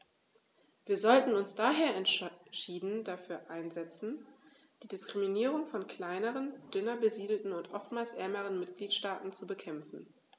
Wir sollten uns daher entschieden dafür einsetzen, die Diskriminierung von kleineren, dünner besiedelten und oftmals ärmeren Mitgliedstaaten zu bekämpfen.